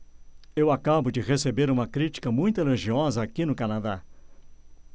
eu acabo de receber uma crítica muito elogiosa aqui no canadá